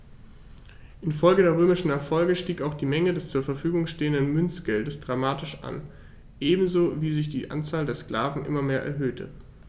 Infolge der römischen Erfolge stieg auch die Menge des zur Verfügung stehenden Münzgeldes dramatisch an, ebenso wie sich die Anzahl der Sklaven immer mehr erhöhte.